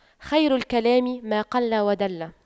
خير الكلام ما قل ودل